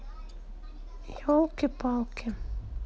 елки палки